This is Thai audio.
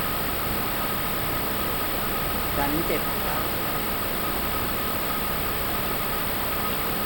ฉันเจ็บเท้าจนทำให้ฉันเป็นทุกข์